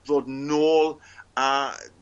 ddod nôl a